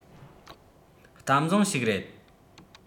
གཏམ བཟང ཞིག རེད